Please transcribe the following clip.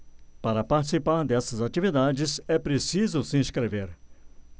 para participar dessas atividades é preciso se inscrever